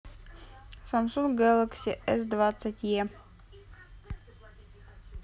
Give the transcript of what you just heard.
samsung galaxy s двадцать е